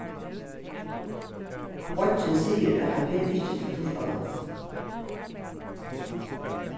beiggin sigur at hann fer ikki til turkalands